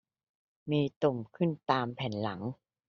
มีตุ่มขึ้นตามแผ่นหลัง